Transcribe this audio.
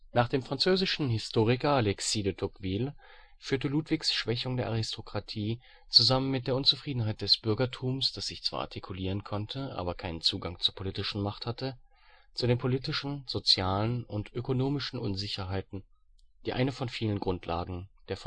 Nach dem französischen Historiker Alexis de Tocqueville führte Ludwigs Schwächung der Aristokratie zusammen mit der Unzufriedenheit des Bürgertums, das sich zwar artikulieren konnte, aber keinen Zugang zur politischen Macht hatte, zu den politischen, sozialen und ökonomischen Unsicherheiten, die eine von vielen Grundlagen der